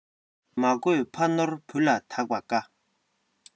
མ བཀོད ཕ ནོར བུ ལ བདག པ དཀའ